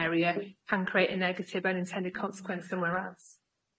area can create a negative and intending consequence somewhere else.